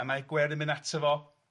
a mae Gwern yn mynd ato fo, mae'n